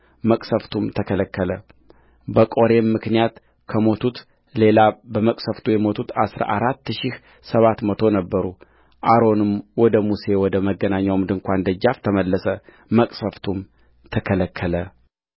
መቅሠፍቱም ተከለከለበቆሬም ምክንያት ከሞቱት ሌላ በመቅሠፍቱ የሞቱት አሥራ አራት ሺህ ሰባት መቶ ነበሩአሮንም ወደ ሙሴ ወደ መገናኛው ድንኳን ደጃፍ ተመለሰ መቅሠፍቱም ተከለከለ